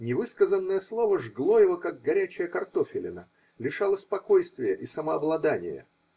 Невысказанное слово жгло его, как горячая картофелина, лишало спокойствия и самообладания.